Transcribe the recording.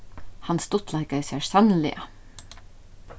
hann stuttleikaði sær sanniliga